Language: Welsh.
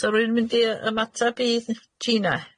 'Sa rywun mynd i yy ymatab i Jina?